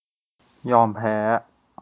ยอมแพ้